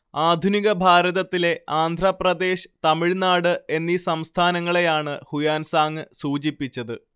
ആധുനിക ഭാരതത്തിലെ ആന്ധ്രാപ്രദേശ്, തമിഴ്‌നാട് എന്നീ സംസ്ഥാനങ്ങളെയാണ് ഹുയാൻസാങ്ങ് സൂചിപ്പിച്ചത്